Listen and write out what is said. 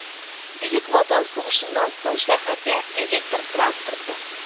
Бөек Ватан сугышыннан соң шәһәрдә электр транспорты